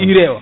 urée o